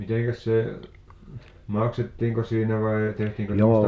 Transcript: mitenkäs se maksettiinko siinä vai tehtiinkö semmoista